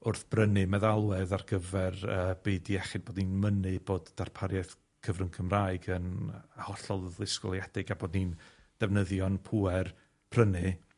wrth brynu meddalwedd ar gyfer yy byd iechyd, bod ni'n mynnu bod darpariaeth cyfrwng Cymraeg yn hollol ddisgwyliedig, a bod ni'n defnyddio'n pŵer prynu,